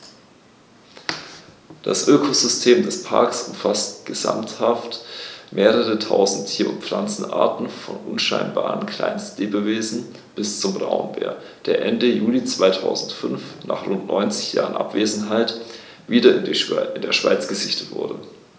Das Ökosystem des Parks umfasst gesamthaft mehrere tausend Tier- und Pflanzenarten, von unscheinbaren Kleinstlebewesen bis zum Braunbär, der Ende Juli 2005, nach rund 90 Jahren Abwesenheit, wieder in der Schweiz gesichtet wurde.